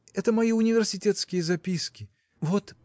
– А это мои университетские записки. Вот